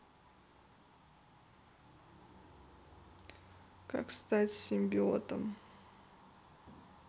как стать симбиотом